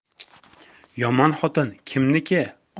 yomon xotin kimniki